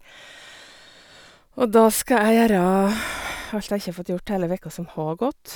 Og da skal jeg gjøre alt jeg ikke fått gjort hele vekka som har gått.